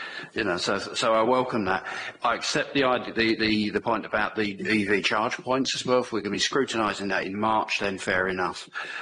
You know so so I welcome that. I accept the idea the the the point about the VV charge points as well if we're going to be scrutinising that in March then fair enough.